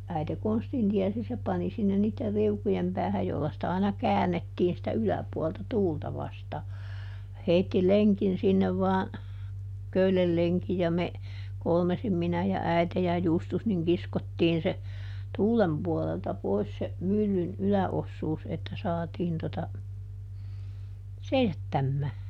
äiti konstin tiesi se pani sinne niiden riukujen päähän jolla sitä aina käännettiin sitä yläpuolta tuulta vastaan heitti lenkin sinne vain köyden lenkin ja me kolmisin minä ja äiti ja Justus niin kiskottiin se tuulen puolelta pois se myllyn yläosuus että saatiin tuota seisattamaan